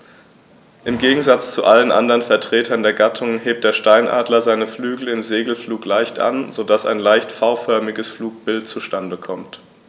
Im Gegensatz zu allen anderen Vertretern der Gattung hebt der Steinadler seine Flügel im Segelflug leicht an, so dass ein leicht V-förmiges Flugbild zustande kommt.